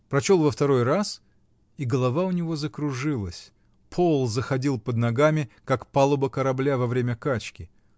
прочел во второй раз -- и голова у него закружилась, пол заходил под ногами, как палуба корабля во время качки.